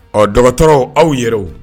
Ɔ dɔgɔ dɔgɔtɔrɔw aw yɛrɛ